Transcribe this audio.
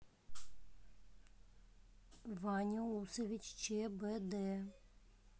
ваня усович чбд